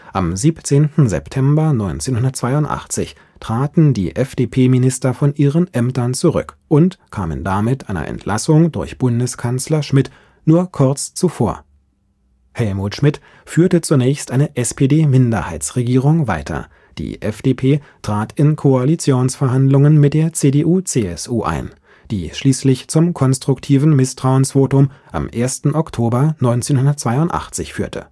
Am 17. September 1982 traten die FDP-Minister von ihren Ämtern zurück und kamen damit einer Entlassung durch Bundeskanzler Schmidt nur kurz zuvor. Helmut Schmidt führte zunächst eine SPD-Minderheitsregierung weiter, die FDP trat in Koalitionsverhandlungen mit der CDU/CSU ein, die schließlich zum konstruktiven Misstrauensvotum am 1. Oktober 1982 führte